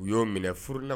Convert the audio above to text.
U y'o minɛ furuna